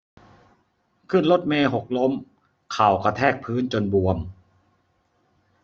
ขึ้นรถเมล์หกล้มเข่ากระแทกพื้นจนบวม